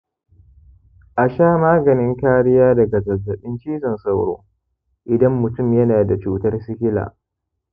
a sha maganin kariya daga zazzaɓin cizon sauro idan mutum yana da cutar sikila.